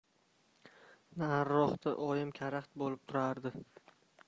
nariroqda oyim karaxt bo'lib turardi